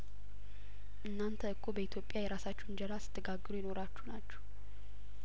እናንተ እኮ በኢትዮጵያ የራሳችሁ እንጀራ ስት ጋግሩ የኖራችሁ ናችሁ